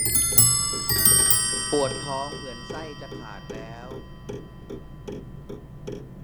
ปวดท้องเหมือนไส้จะขาดแล้ว